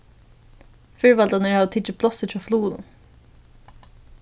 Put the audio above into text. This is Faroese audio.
firvaldarnir hava tikið plássið hjá flugunum